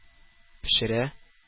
Пешерә